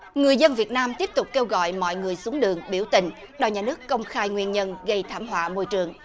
người dân việt nam tiếp tục kêu gọi mọi người xuống đường biểu tình đòi nhà nước công khai nguyên nhân gây thảm họa môi trường